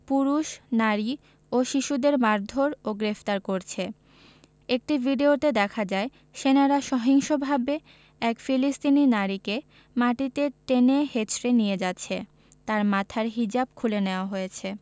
পুরুষ নারী ও শিশুদের মারধোর ও গ্রেফতার করছে একটি ভিডিওতে দেখা যায় সেনারা সহিংসভাবে এক ফিলিস্তিনি নারীকে মাটিতে টেনে হেঁচড়ে নিয়ে যাচ্ছে তার মাথার হিজাব খুলে নেওয়া হয়েছে